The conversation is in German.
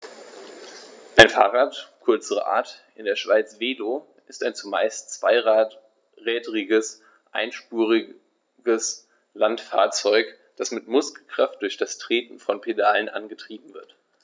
Ein Fahrrad, kurz Rad, in der Schweiz Velo, ist ein zumeist zweirädriges einspuriges Landfahrzeug, das mit Muskelkraft durch das Treten von Pedalen angetrieben wird.